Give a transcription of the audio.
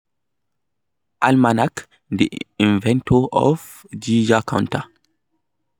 Almanac: The inventor of the Geiger Counter